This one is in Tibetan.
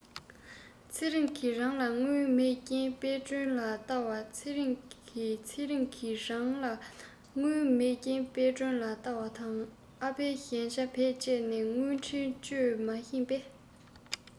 ཚེ རིང གི རང ལ དངུལ མེད རྐྱེན དཔལ སྒྲོན ལ བལྟ བར ཚེ རིང གི ཚེ རིང གི རང ལ དངུལ མེད རྐྱེན དཔལ སྒྲོན ལ བལྟ བར དང ཨ ཕའི གཞན ཆ བེད སྤྱད ནས དངུལ འཕྲིན སྤྱོད མི ཤེས པས